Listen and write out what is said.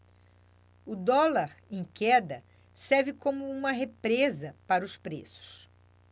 o dólar em queda serve como uma represa para os preços